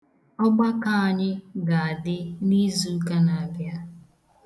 Ọgbakọ anyị ga-adị n'izuụka na-abịa.